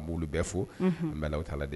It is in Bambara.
N b' bɛɛ fo n bɛ la taa de